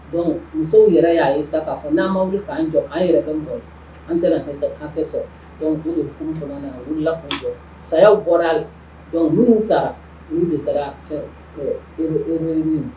Dɔnku musow yɛrɛ y'a ye sa k'a fɔ n'an ma wuli fa jɔ an yɛrɛ an taara an sɔrɔ kun la saya bɔra la minnu sara minnu de kɛra